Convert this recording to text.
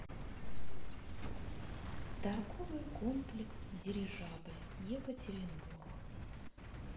торговый комплекс дирижабль екатеринбург